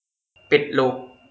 ปิดลูป